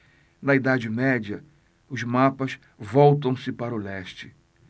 na idade média os mapas voltam-se para o leste